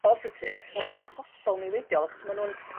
positif on' ma' nhw'n hollol newidiol achos ma'n nw'n